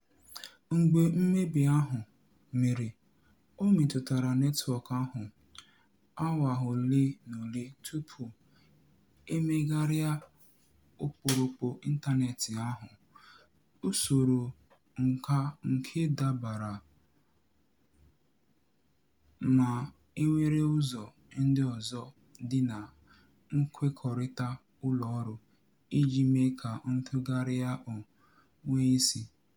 Mgbe mmebi ahụ mere, ọ metụtara netwọk ahụ awa ole na ole tupu e megharịa okporo ịntaneetị ahụ; Usoro nkà nke dabere ma e nwere ụzọ ndị ọzọ dị na nkwekọrịta ụlọọrụ iji mee ka ntụgharị ahụ nwee isi.